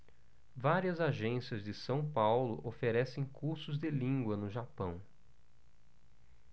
várias agências de são paulo oferecem cursos de língua no japão